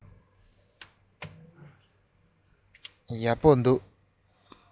ཡག པོ འདུག